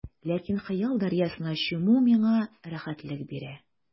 Ләкин хыял дәрьясына чуму миңа рәхәтлек бирә.